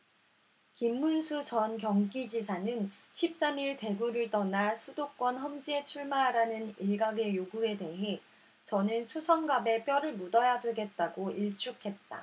김문수 전 경기지사는 십 삼 일 대구를 떠나 수도권 험지에 출마하라는 일각의 요구에 대해 저는 수성갑에 뼈를 묻어야 되겠다고 일축했다